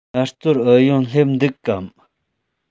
ངལ རྩོལ ཨུ ཡོན སླེབས འདུག གམ